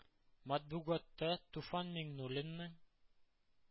Матбугатта Туфан Миңнуллинның